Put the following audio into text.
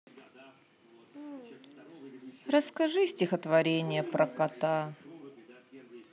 расскажи стихотворение про кота